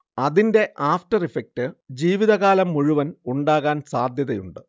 അതിന്റെ after effects ജീവിതകാലം മുഴുവൻ ഉണ്ടാകാൻ സാധ്യതയുണ്ട്